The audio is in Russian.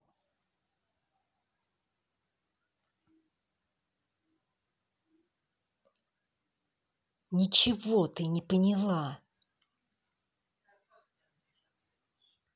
ничего ты не поняла